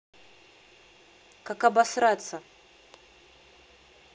как обосраться